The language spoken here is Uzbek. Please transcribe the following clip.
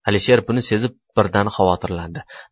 alisher buni sezib birdan xavotirlandi